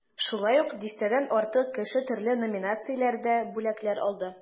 Шулай ук дистәдән артык кеше төрле номинацияләрдә бүләкләр алды.